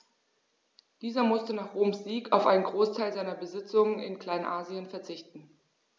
Dieser musste nach Roms Sieg auf einen Großteil seiner Besitzungen in Kleinasien verzichten.